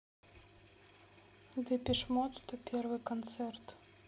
депеш мод сто первый концерт